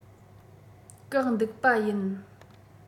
བཀག འདུག པ ཡིན